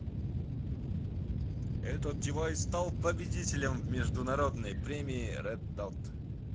этот девайс стал победителем в международной премии red dot